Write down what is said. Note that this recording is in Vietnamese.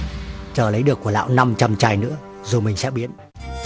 chờ lấy được của lão năm trăm chai nữa rồi mình sẽ biến